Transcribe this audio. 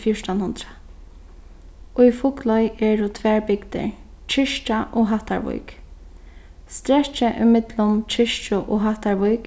til fjúrtan hundrað í fugloy eru tvær bygdir kirkja og hattarvík strekkið ímillum kirkju og hattarvík